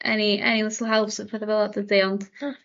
any any little house a petha fel 'a dydi ond... Hmm.